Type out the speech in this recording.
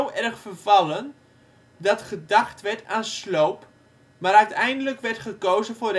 erg vervallen, dat gedacht werd aan sloop, maar uiteindelijk werd gekozen voor